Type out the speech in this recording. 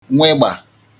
nwegbà